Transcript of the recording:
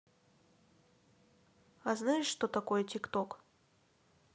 а знаешь что такое tik tok